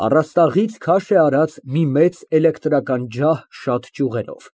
Առաստաղից քաշ է արած մի մեծ էլեկտրական ջահ շատ ճյուղերով։